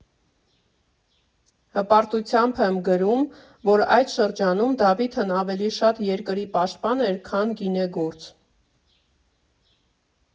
Հպարտությամբ եմ գրում, որ այդ շրջանում Դավիթն ավելի շատ երկրի պաշտպան էր, քան գինեգործ։